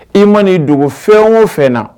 I ma n'i dogo fɛn o fɛn na